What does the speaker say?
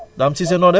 Dame Cissé